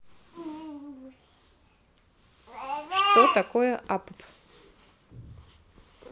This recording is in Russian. что такое апп